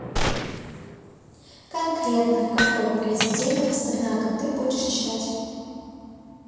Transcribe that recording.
конкретно какое произведение пастернака ты будешь читать